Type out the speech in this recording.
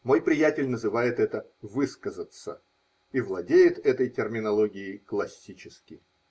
Мой приятель называет это "высказаться" и владеет этой терминологией классически.